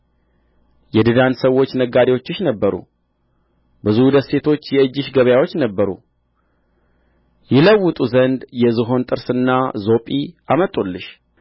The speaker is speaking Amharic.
የድዳን ሰዎች ነጋዴዎችሽ ነበሩ ብዙ ደሴቶች የእጅሽ ገበያዎች ነበሩ ይለውጡ ዘንድ የዝሆን ጥርስና ዞጲ አመጡልሽ